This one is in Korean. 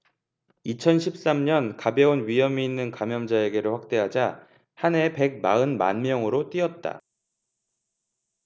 이천 십 삼 년 가벼운 위염이 있는 감염자에게로 확대하자 한 해 백 마흔 만명으로 뛰었다